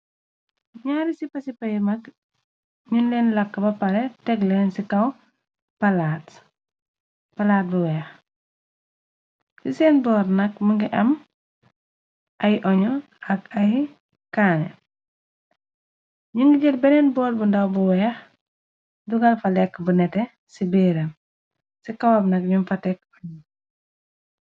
Nyaari ci pasi payu mag ñun leen làkk ba pare teg leen ci kawpalaat bu weex ci seen boor nak më ngi am ay oñu ak ay kaané ñu ngi jër beneen boor bu ndaw bu weex dugal fa lekk bu nete ci biiram ci kawam nak ñum fa tekk onu.